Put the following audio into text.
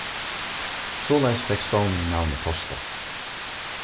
soleiðis fekk stovnurin navnið posta